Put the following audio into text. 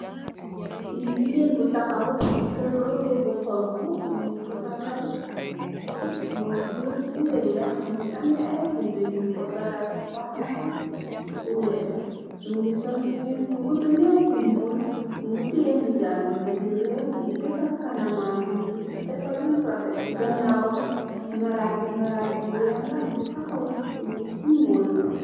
Yii gigain bu takhaw mungy sol rohba bu honhu, munkoh tahkal morsoh bu wekh, mungy ameh aiiy bindu, njung kor solal mbahanah bu wekh, mungy sol meeche bu gudu, meeche bu njull, mungy tiyeh ndigam bii, mungy reeh, mungy defarr kanamam bii, mungy defarr behm rafet, cii ganawam marajj bii, marajj bu wekh la, mungy takhaw cii suff fu njull.